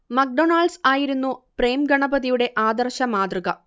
McDonald's ആയിരുന്നു പ്രേം ഗണപതിയുടെ ആദർശ മാതൃക